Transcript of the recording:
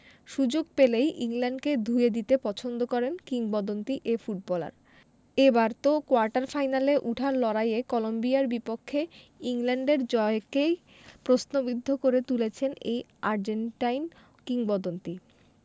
সুযোগ পেলেই ইংল্যান্ডকে ধুয়ে দিতে পছন্দ করেন কিংবদন্তি এ ফুটবলার এবার তো কোয়ার্টার ফাইনালে ওঠার লড়াইয়ে কলম্বিয়ার বিপক্ষে ইংল্যান্ডের জয়কেই প্রশ্নবিদ্ধ করে তুলেছেন এই আর্জেন্টাইন কিংবদন্তি